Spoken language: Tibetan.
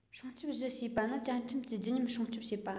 སྲུང སྐྱོབ བཞི ཞེས པ ནི བཅའ ཁྲིམས ཀྱི བརྗིད ཉམས སྲུང སྐྱོབ བྱེད པ